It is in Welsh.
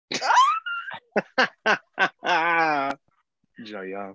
. Joio!